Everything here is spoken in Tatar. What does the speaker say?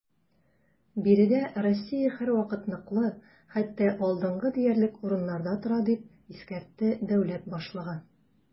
Биредә Россия һәрвакыт ныклы, хәтта алдынгы диярлек урыннарда тора, - дип искәртте дәүләт башлыгы.